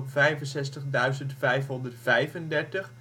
Vijfenzestigduizendvijfhonderdzesendertig